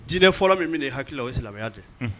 Diinɛ fɔlɔ min bɛ ye hakili o ye silamɛya dɛ